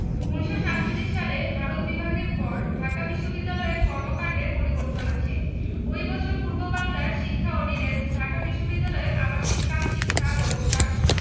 ১৯৪৭ সালে ভারত বিভাগের পর ঢাকা বিশ্ববিদ্যালয়ের কর্মকান্ডে পরিবর্তন আসে ওই বছর পূর্ববাংলার শিক্ষা অর্ডিন্যান্স ঢাকা বিশ্ববিদ্যালয়ের আবাসিক কাম শিক্ষা ব্যবস্থার